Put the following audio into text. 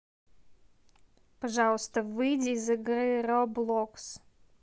пожалуйста выйди из игры roblox